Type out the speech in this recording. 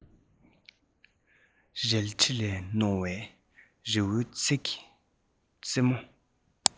རལ གྲི ལས རྣོ བའི རི བོའི ཚོགས ཀྱི རྩེ མོ